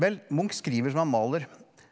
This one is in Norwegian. vel Munch skriver som han maler.